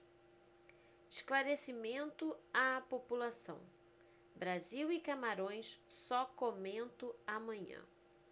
esclarecimento à população brasil e camarões só comento amanhã